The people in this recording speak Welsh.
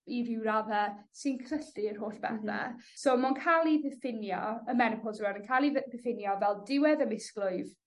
i ryw radde sy'n crylltu yr holl bethe. So ma' 'o'n ca'l 'i ddiffinio y menopos rŵan yn ca'l 'i ddy- ddiffinio fel diwedd y misglwyf